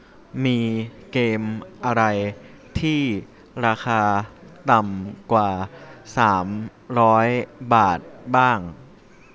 มีเกมอะไรที่ราคาต่ำกว่าสามร้อยบาทบ้าง